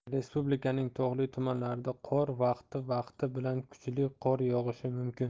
respublikaning tog'li tumanlarida qor vaqti vaqti bilan kuchli qor yog'ishi mumkin